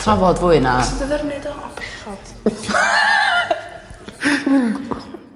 ...trafod fwy na... o bechod.